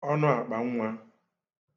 ọnụẹkpànnwa